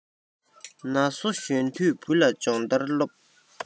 ན སོ གཞོན དུས བུ ལ སྦྱོང ཐར སློབས